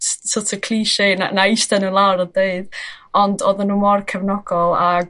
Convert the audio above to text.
ss- so't o' cliche 'na 'nai ista nw lawr a deud... Ond oedden nw mor cefnogol ag